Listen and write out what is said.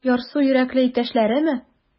Ярсу йөрәкле иптәшләреме?